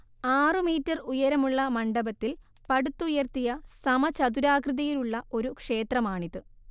ആറുമീറ്റർ ഉയരമുള്ള മണ്ഡപത്തിൽ പടുത്തുയർത്തിയ സമചതുരാകൃതിയിലുള്ള ഒരു ക്ഷേത്രമാണിത്